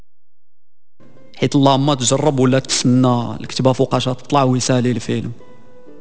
اطلع ما تجرب ولا اكتب فوق عشان تطلعوا اسالي فيهم